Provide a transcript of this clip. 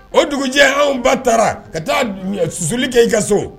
O dugujɛ anw ba taara ka taa soli kɛ i ka so